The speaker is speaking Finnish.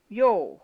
joo